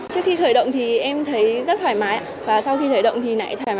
trước khi khởi động thì em thấy rất thoải mái ạ và sau khi khởi động thì lại thoải